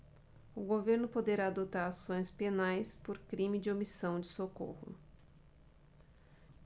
o governo poderá adotar ações penais por crime de omissão de socorro